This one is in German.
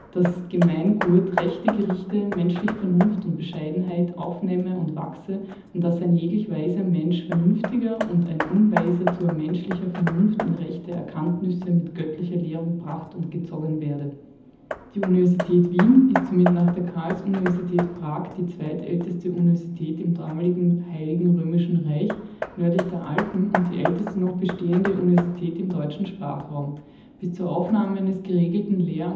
dass „ gemain guot, rechte gerichte, menschlich vernunft und beschaidenhait aufneme und wachse […] und daz ein yeglich weiser mensch vernünftiger und ain unweiser zuo menschlicher vernunft in rechte erkantnüsse mit goetlicher lerung bracht und geczogen werde. “Die Universität Wien ist somit nach der Karls-Universität Prag die zweitälteste Universität im damaligen Heiligen Römischen Reich nördlich der Alpen und die älteste noch bestehende Universität im deutschen Sprachraum. Bis zur Aufnahme eines geregelten Lehr